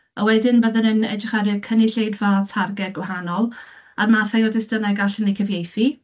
A wedyn byddwn yn edrych ar y cynulleidfa targed gwahanol, a'r mathau o destunau gallwn eu cyfieithu.